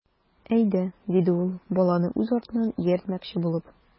Әйдә,— диде ул, баланы үз артыннан ияртмөкче булып.